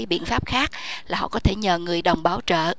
biện pháp khác là họ có thể nhờ người đồng bảo trợ